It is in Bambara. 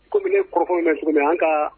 Komi ne ye kɔrɔfɔ in mɛ cogo min an ka